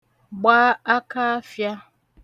gba akaafịā